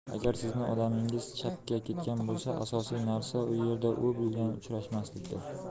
agar sizning odamingiz chapga ketgan bo'lsa asosiy narsa u erda u bilan uchrashmaslikdir